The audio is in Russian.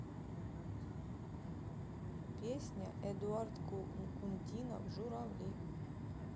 песня эдуард кундинов журавли